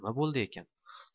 nima bo'ldi ekan